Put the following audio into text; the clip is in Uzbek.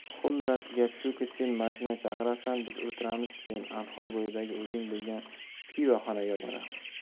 xullas gap shuki sen mashina chaqirasan biz o'tiramiz keyin anhor bo'yidagi o'zing bilgan pivoxonaga boramiz